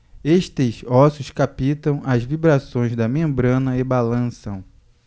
estes ossos captam as vibrações da membrana e balançam